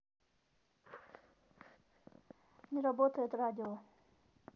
не работает радио